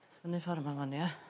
Fyny ffor 'ma 'wn ie?